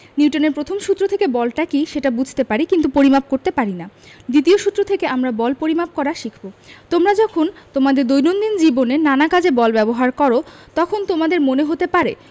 নিউটনের প্রথম সূত্র থেকে বলটা কী সেটা বুঝতে পারি কিন্তু পরিমাপ করতে পারি না দ্বিতীয় সূত্র থেকে আমরা বল পরিমাপ করা শিখব তোমরা যখন তোমাদের দৈনন্দিন জীবনে নানা কাজে বল ব্যবহার করো তখন তোমাদের মনে হতে পারে